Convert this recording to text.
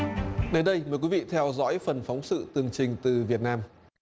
đến đây mời quý vị theo dõi phần phóng sự tường trình từ việt nam